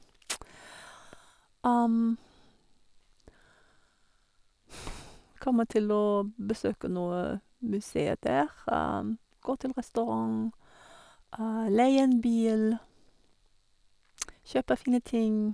Kommer til å besøke noe museer der, gå til restaurant, leie en bil, kjøpe fine ting.